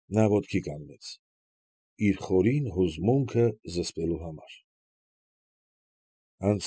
Նա ոտքի կանգնեց՝ իր խորին հուզմունքը զսպելու համար։